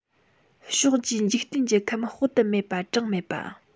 ཕྱོགས བཅུའི འཇིག རྟེན གྱི ཁམས དཔག ཏུ མེད པ གྲངས མེད པ